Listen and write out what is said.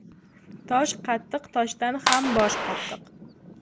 tosh qattiq toshdan ham bosh qattiq